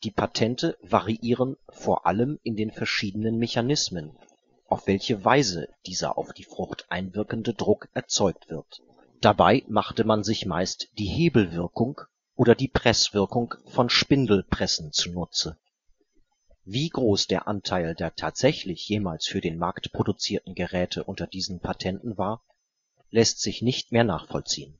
Patente variieren vor allem in den verschiedenen Mechanismen, auf welche Weise dieser auf die Frucht einwirkende Druck erzeugt wird. Dabei machte man sich meist die Hebelwirkung oder die Presswirkung von Spindelpressen zunutze. Wie groß der Anteil der tatsächlich jemals für den Markt produzierten Geräten unter diesen Patenten war, lässt sich nicht mehr nachvollziehen